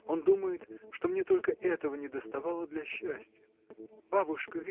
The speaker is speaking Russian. Он думает, что мне только этого недоставало для счастья. Бабушка!